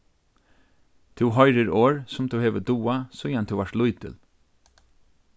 tú hoyrir orð sum tú hevur dugað síðan tú vart lítil